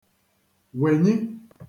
wènyi